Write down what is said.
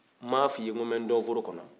n m'a f'i ye ko n bɛ n dɔnforo kɔnɔ